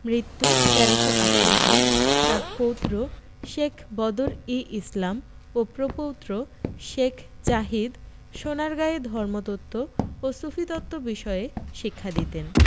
মৃত্যু ১৩৯৮ তাঁর পৌত্র শেখ বদর ই ইসলাম ও প্রপৌত্র শেখ জাহিদ সোনারগাঁয়ে ধর্মতত্ত্ব ও সুফিতত্ত্ব বিষয়ে শিক্ষা দিতেন